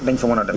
dañ fa mën a dem